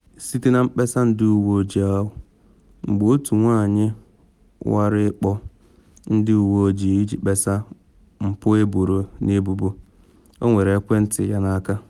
Site na mkpesa ndị uwe ojii ahụ, mgbe otu enyi nwanyị nwara ịkpọ ndị uwe ojii iji kpesa mpụ eboro na ebubo, ọ were ekwentị ya n’aka ya.